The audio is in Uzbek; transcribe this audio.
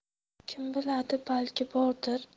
kim biladi balki bordir